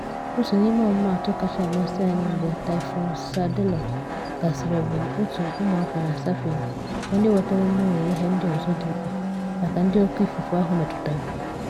Otu n'ime ọmụmaatụ kacha amasị anyị mgbe Typhoon Soudelor gasịrị bụ òtù ụmụafọ na Saipan bụ ndị wetara mmiri na ihe ndị ọzọ dị mkpa maka ndị oké ifufe ahụ metụtara.